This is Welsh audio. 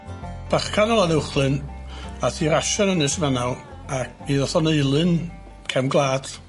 Bychan o Lanuwchlyn a'th i rasio yn Ynys Manaw a mi ddoth o'n eilyn cefn gwlad.